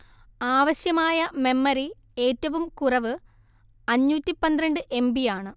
ആവശ്യമായ മെമ്മറി ഏറ്റവും കുറവ് അഞ്ഞൂറ്റി പന്ത്രണ്ട് എം ബി യാണ്